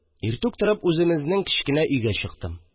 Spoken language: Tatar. Иртүк торп үземезнең кечкенә өйгә чыктым